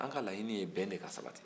an ka laɲini ye bɛn de ka sabati